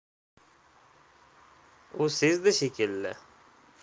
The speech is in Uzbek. u sezdi shekilli